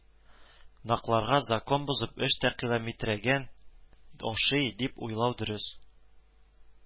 Накларга закон бозып эш тәкъикилометрәген ашый, дип уйлау дөрес